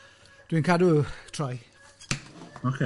Dwi'n cadw troi Ocê.